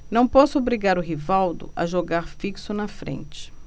não posso obrigar o rivaldo a jogar fixo na frente